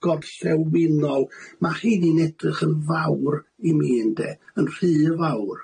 gorllewinol, ma' rheiny'n edrach yn fawr i mi ynde, yn rhy fawr.